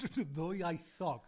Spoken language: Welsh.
Dy- dy- ddwyieithog.